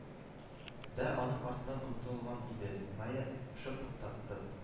Дә аның артыннан омтылган иде, майя шып туктатты: